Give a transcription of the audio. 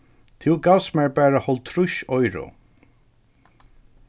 tú gavst mær bara hálvtrýss oyru